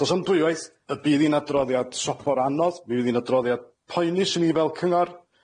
Do's 'a'm dwywaith y bydd hi'n adroddiad sobor o anodd. Mi fydd hi'n adroddiad poenus i ni fel cyngor.